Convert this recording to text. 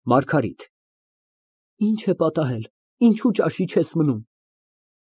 ՄԱՐԳԱՐԻՏ ֊ Ի՞նչ է պատահել, ինչու ճաշի չես մնում։